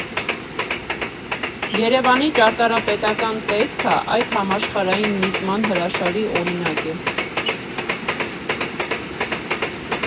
Երևանի ճարտարապետական տեսքը այդ համաշխարհային միտման հրաշալի օրինակ է։